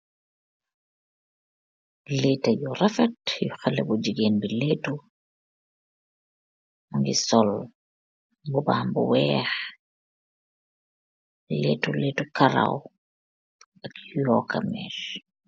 Leta yu rafet yu haleh bu jigeen b letu, mungy sol mbuba bu wekh, letu letu karaw ak yokah meche.